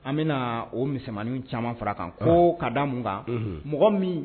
An bɛna o misɛnmaninw caman far'a kan ko ka da mun kan, unhun, mɔgɔ min